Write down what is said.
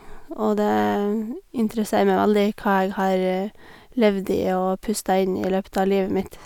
Og det interesserer meg veldig hva jeg har levd i og pusta inn i løpet av livet mitt.